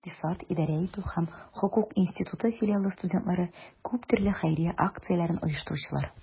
Икътисад, идарә итү һәм хокук институты филиалы студентлары - күп төрле хәйрия акцияләрен оештыручылар.